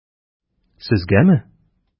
Сезгәме?